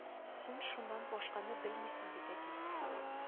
- син шуннан башканы белмисең бит әти